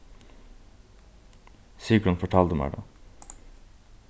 sigrun fortaldi mær tað